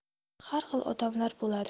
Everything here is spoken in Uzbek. har xil odamlar bo'ladi